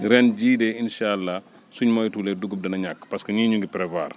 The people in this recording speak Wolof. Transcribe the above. ren jii de incha aalh suñ moytuwulee dugub dana ñàkk parce que ñii ñu ngi prévoir